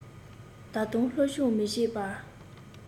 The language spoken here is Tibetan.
ད དུང སློབ སྦྱོང མི བྱེད པར